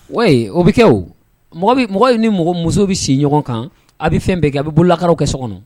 Wa o bɛ kɛ o mɔgɔ ni mɔgɔ muso bɛ sigi ɲɔgɔn kan a bɛ fɛn bɛɛ kɛ a bɛ bolo laka kɛ so kɔnɔ